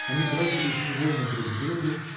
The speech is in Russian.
Они бросились невольно друг к другу